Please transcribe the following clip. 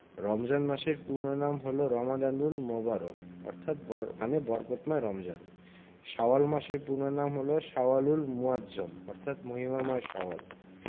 রমজান মাসের পূর্ণ নাম হলো রমাদানুল মোবারক মানে বরকতময় রমজান শাওয়াল মাসের পূর্ণ নাম হলো শাওয়ালুল মুআজ্জম অর্থাৎ মহিমাময় শাওয়াল